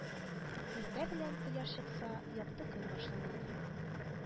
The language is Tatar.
Иртә белән, Кояш чыкса, якты көн башланадыр